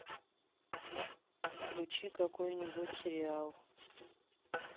включи какой нибудь сериал